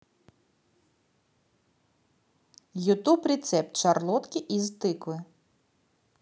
ютуб рецепт шарлотки из тыквы